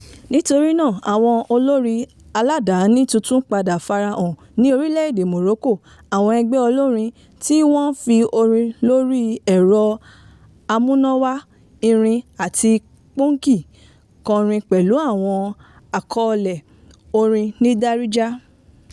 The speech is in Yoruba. Nítorí náà àwọn olórin aládàáni tuntun padà farahàn ní orílẹ̀-èdè Morocco, àwọn ẹgbẹ́ olórin tí wọ́n fi orin lóri ẹ̀rọ amúnáwá , irin, àti póǹkì kọrin pẹ̀lú àwọn àkọọ́lẹ̀ orin ní Darija.